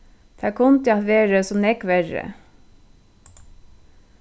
tað kundi havt verið so nógv verri